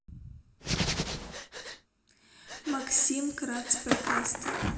максим кац протесты